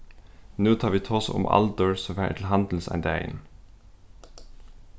nú tá vit tosa um aldur so var eg til handils ein dagin